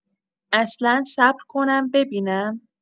اصلا صبر کنم ببینم!